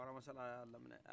baramasala ye a laminɛ